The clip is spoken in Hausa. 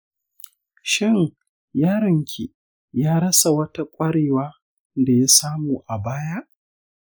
shin yaron ki ya rasa wata ƙwarewa da ya samu a baya?